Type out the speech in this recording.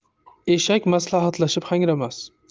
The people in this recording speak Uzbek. eshak maslahatlashib hangramas